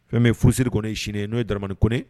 Fɛn bɛ furusiriri kɔni ye sininen ye n'o ye damaniin ko